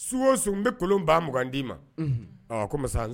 Suku o suku n bi kolon ba mugan di ma. Unhun